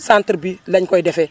centre bi lañ koy defee